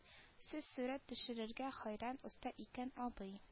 Сез сурәт төшерергә хәйран оста икән абый